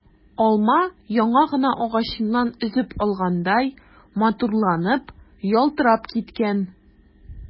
Алма яңа гына агачыннан өзеп алгандай матурланып, ялтырап киткән.